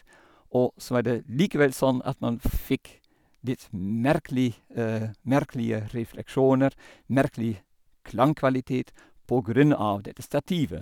Og så er det likevel sånn at man fikk litt merkelig merkelige refleksjoner, merkelig klangkvalitet, på grunn av dette stativet.